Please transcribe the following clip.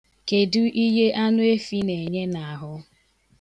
Kedu ihe anụefi na-enye n'ahụ?